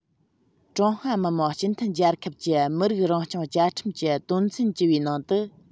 ཀྲུང ཧྭ མི དམངས སྤྱི མཐུན རྒྱལ ཁབ ཀྱི མི རིགས རང སྐྱོང བཅའ ཁྲིམས ཀྱི དོན ཚན བཅུ པའི ནང དུ